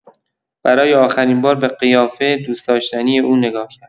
برای آخرین‌بار به قیافه دوست‌داشتنی او نگاه کرد.